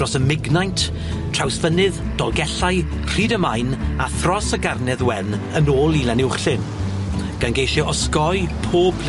dros y Mignaint Trawsfynydd, Dolgellau, Rhydymain, a thros y Garnedd Wen yn ôl i Llanuwchllyn, gan geisio osgoi pob